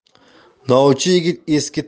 novcha yigit eski